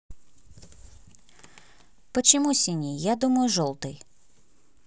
почему синий я думаю желтый